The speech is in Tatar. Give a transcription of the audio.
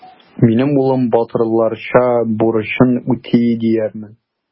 Минем улым батырларча бурычын үти диярмен.